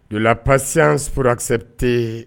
Donna la pasiururansɛrete